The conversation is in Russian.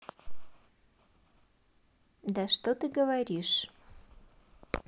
да что ты говоришь